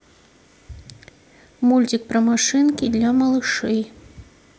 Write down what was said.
мультфильм про машинки для малышей